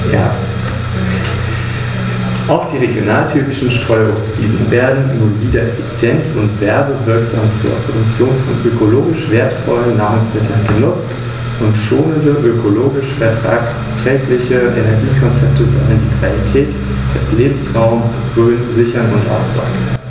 Langfristig sollen wieder jene Zustände erreicht werden, wie sie vor dem Eintreffen des Menschen vor rund 5000 Jahren überall geherrscht haben.